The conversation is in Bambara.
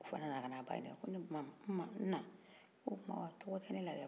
o fɛnɛ nana ka na ba ɲininka ko n ma n ma n na o tuma tɔgɔ tɛ ne la de wa